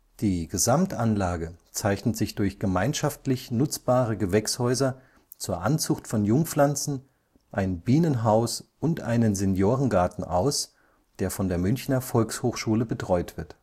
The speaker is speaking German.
Die Gesamtanlage zeichnet sich durch gemeinschaftlich nutzbare Gewächshäuser zur Anzucht von Jungpflanzen, ein Bienenhaus und einen Seniorengarten aus, der von der Münchner Volkshochschule betreut wird